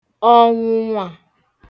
ọ̀nwụ̀nwà